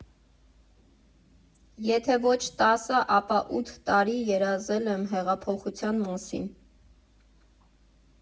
Եթե ոչ տասը, ապա ութ տարի երազել եմ հեղափոխության մասին։